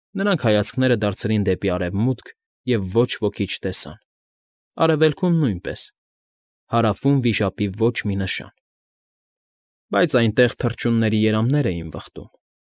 Նրանք հայացքները դարձրին դեպի Արևմուտք և ոչ ոքի չտեսան, Արևելքում՝ նույնպես, Հարավում վիշապի ոչ մի նշան, բայց այնտեղ թռչունների երամներ էին վխտում։